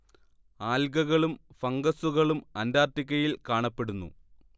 ആൽഗകളും ഫംഗസുകളും അന്റാർട്ടിക്കയിൽ കാണപ്പെടുന്നു